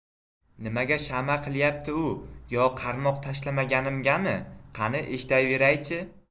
nimaga shama qilyapti u yo qarmoq tashlamaganimgami qani eshitaveray chi